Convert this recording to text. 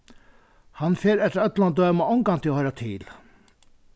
hann fer eftir øllum at døma ongantíð at hoyra til